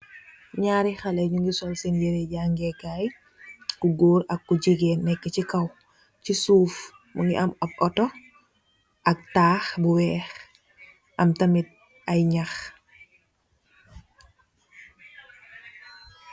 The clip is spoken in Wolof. Nyarri khaleh nyungi sul sen yereh jangeh kai ku goor ak ku jigeen neka si kaw si suff mungi am aye autor ak taakh bu wekh ak am aye nyakh